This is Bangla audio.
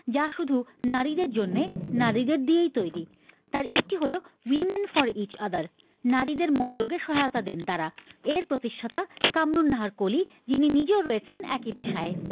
যা শুধু নারীদের জন্য নারীদের দিয়ে তৈরি তার একটি হলো উইমেন ফর ইচ আদার নারীদের মনোরোগ এ সহায়তা দেন তারা এর প্রতিষ্ঠাতা কামরুন নাহার কলি যিনি নিজেও রয়েছেন একই পেশায়